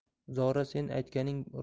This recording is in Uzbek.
zora sen aytganing